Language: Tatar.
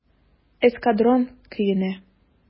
"эскадрон" көенә.